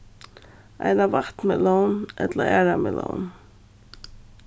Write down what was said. eina vatnmelón ella aðra melón